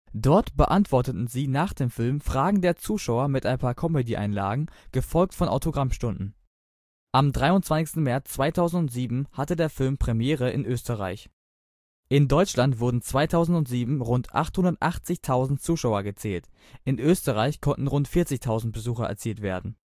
Dort beantworteten sie nach dem Film Fragen der Zuschauer mit ein paar Comedy-Einlagen, gefolgt von Autogrammstunden. Am 23. März 2007 hatte der Film Premiere in Österreich. In Deutschland wurden 2007 rund 880.000 Zuschauer gezählt, in Österreich konnten rund 40.000 Besucher erzielt werden